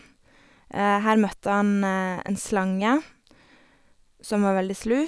Her møtte han en slange som var veldig slu.